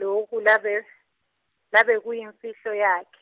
loku la be- la bekuyimfihlo yakhe.